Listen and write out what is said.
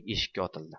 eshikka otildi